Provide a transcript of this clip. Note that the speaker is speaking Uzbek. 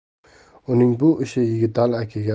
uning bu ishi yigitali